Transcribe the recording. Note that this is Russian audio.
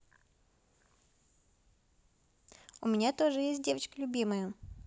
у меня тоже есть девочка любимая